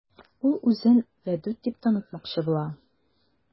Ул үзен Вәдүт дип танытмакчы була.